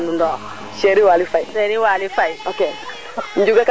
owey leya ye ananga jega 6 mois de a dim koy i